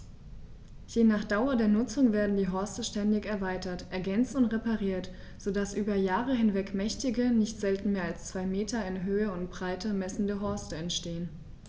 Je nach Dauer der Nutzung werden die Horste ständig erweitert, ergänzt und repariert, so dass über Jahre hinweg mächtige, nicht selten mehr als zwei Meter in Höhe und Breite messende Horste entstehen.